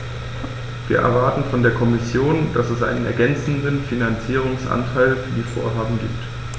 Wir erwarten von der Kommission, dass es einen ergänzenden Finanzierungsanteil für die Vorhaben gibt.